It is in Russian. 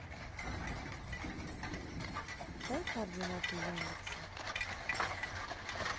дай координаты яндекса